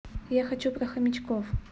я хочу про хомячков